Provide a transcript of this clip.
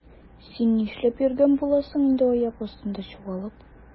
Син нишләп йөргән буласың инде аяк астында чуалып?